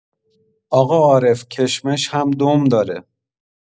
آقا عارف کشمش هم دم داره!